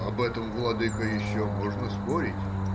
— Об этом, владыко, еще можно спорить.